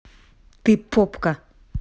ты попка